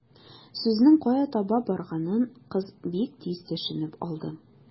Сүзнең кая таба барганын кыз бик тиз төшенеп алды.